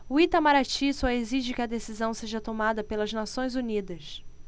o itamaraty só exige que a decisão seja tomada pelas nações unidas